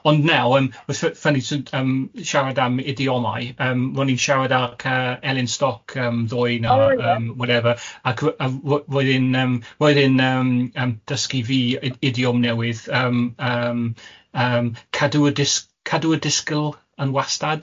Ond naw, yym oedd ff- ffyni siarad am idiomau, yym ro'n i'n siarad ac yy Elin Stock yym ddoe nawr... O oeddch? ...yym whatever ac yy yym roedd e'n yym roedd e'n yym yym dysgu fi idiom newydd yym yym yym cadw y dis- cadw y disgyl yn wastad?